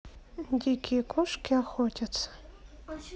дикие кошки охотятся